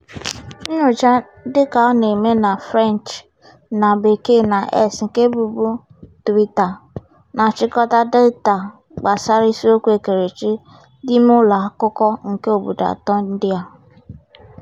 Nnyocha dịka ọ na-eme na French na Bekee na X (nke bụbu Twitter) na-achịkọta data gbasara isiokwu ekerechi n'ime ụlọakụkọ nke obodo atọ ndị a.